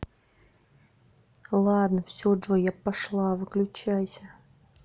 ладно все джой я пошла выключайся